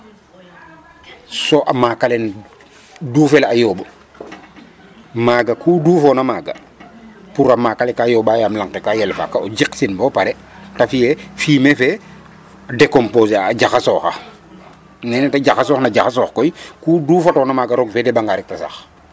So a maak ale dufel a yooɓ maaga ku dufoona maaga pour o maak ole ka yooɓaa yaam lang ke ka yelefaa ka o jeqtin bo pare ta fi'e fumier fe décomposer a a jaxasooxa nene ta jaxasoorna jaxasoox koy ku dufatoona maaga roog fe deɓanga rek ta sax